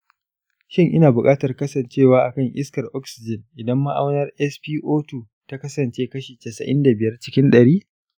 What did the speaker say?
shin ina buƙatar kasancewa a kan iskar oxygen idan ma'auniyar spo2 ta kasance kashi casa'in da biyar cikin ɗari